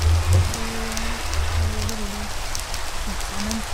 Vi hadde det veldig fint sammen.